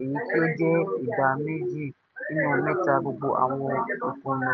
èyí tí ó jẹ́ ìdá méjì nínú mẹ́ta gbogbo àwọn ìkùnà.